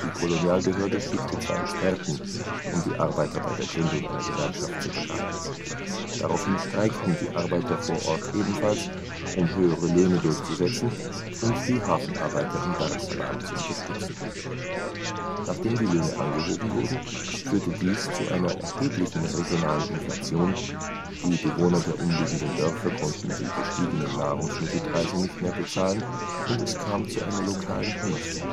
Kolonialbehörde schickte zwei Experten, um die Arbeiter bei der Gründung einer Gewerkschaft zu beraten. Daraufhin streikten die Arbeiter vor Ort ebenfalls, um höhere Löhne durchzusetzen und die Hafenarbeiter in Dar es Salaam zu unterstützen. Nachdem die Löhne angehoben wurden, führte dies zu einer erheblichen regionalen Inflation, die Bewohner der umliegenden Dörfer konnten die gestiegenen Nahrungsmittelpreise nicht mehr bezahlen und es kam zu einer lokalen Hungersnot